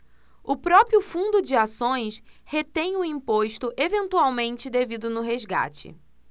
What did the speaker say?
o próprio fundo de ações retém o imposto eventualmente devido no resgate